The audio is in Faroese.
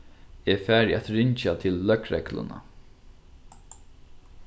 eg fari at ringja til løgregluna